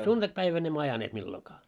a sunnuntaipäivänä emme ajaneet milloinkaan